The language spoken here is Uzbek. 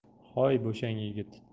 hoy bo'shang yigit